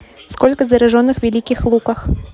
сколько зараженных в великих луках